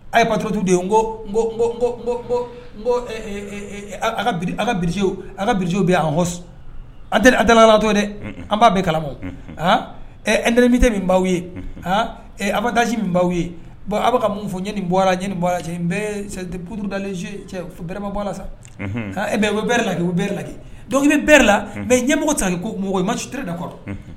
A ye batotu de ye n ko n ko bilisiw aw ka bilisiw bɛ ko dalalalatɔ dɛ an b'a bɛ kala aa ndmite min b'aw ye hadz min b'aw ye bɔn aw bɛ ka mun fɔ ɲani bɔra ɲani bɔra n bɛurud bererɛma bɔla sa bɛ bereri laki u bɛ bereri laki dɔki bɛ bereri la mɛ ɲɛmɔgɔ ta ko mɔgɔw i ma su kɔrɔ